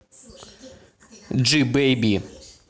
g baby